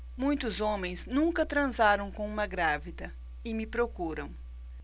muitos homens nunca transaram com uma grávida e me procuram